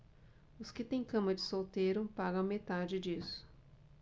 os que têm cama de solteiro pagam a metade disso